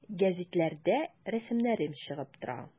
Гәзитләрдә рәсемнәрем чыга тора.